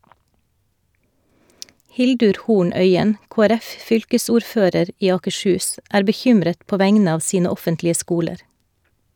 Hildur Horn Øien, KrF-fylkesordfører i Akershus, er bekymret på vegne av sine offentlige skoler.